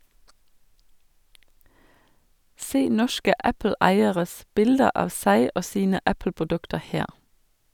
Se norske Apple-eieres bilder av seg og sine Apple-produkter her!